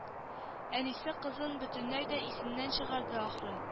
Әнисе кызын бөтенләй дә исеннән чыгарды ахры